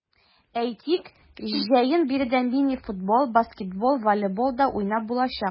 Әйтик, җәен биредә мини-футбол, баскетбол, волейбол да уйнап булачак.